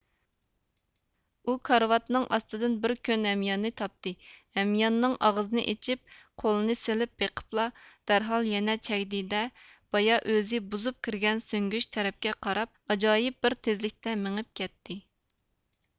ئۇ كارىۋاتنىڭ ئاستىدىن بىر كۆن ھەمياننى تاپتى ھەمياننىڭ ئاغزىنى ئېچىپ قولىنى سېلىپ بېقىپلا دەرھال يەنە چەگدى دە بايا ئۆزى بۇزۇپ كىرگەن سۈڭگۈچ تەرەپكە قاراپ ئاجايىپ بىر تېزلىكتە مېڭىپ كەتتى